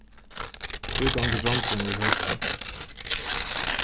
hví gongur drongurin við høkjum